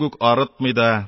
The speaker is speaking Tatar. Элекке кебек үк арытмый да.